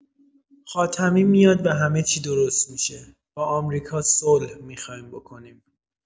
خاتمی میاد و همه چی درست می‌شه، با امریکا صلح می‌خایم بکنیم!